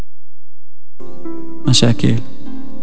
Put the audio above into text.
مساكين